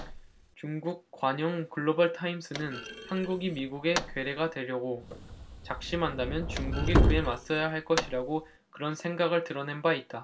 중국 관영 글로벌타임스는 한국이 미국의 괴뢰가 되려고 작심한다면 중국이 그에 맞서야 할 것이라고 그런 생각을 드러낸 바 있다